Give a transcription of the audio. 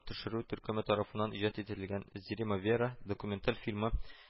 Төшерү төркеме тарафыннан иҗат ителгән “зримая вера” документаль фильмы